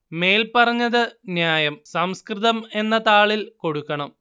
മേൽ പറഞ്ഞത് ന്യായം സംസ്കൃതം എന്ന താളിൽ കൊടുക്കണം